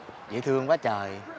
dễ thương quá trời